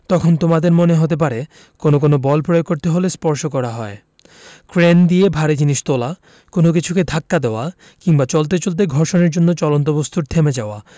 তখন তোমাদের মনে হতে পারে কোনো কোনো বল প্রয়োগ করতে হলে স্পর্শ করতে হয় ক্রেন দিয়ে ভারী জিনিস তোলা কোনো কিছুকে ধাক্কা দেওয়া কিংবা চলতে চলতে ঘর্ষণের জন্য চলন্ত বস্তুর থেমে যাওয়া